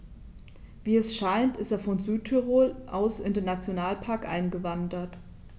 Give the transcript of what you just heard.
Wie es scheint, ist er von Südtirol aus in den Nationalpark eingewandert.